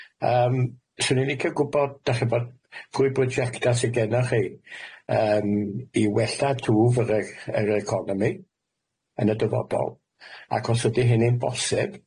Yym swn i'n licio gwbod dachi'n gwbod pwy brosiecta sy gennoch chi yym i wella dwf yr e- yr economi yn y dyfodol, ac os ydi hynny'n bosib,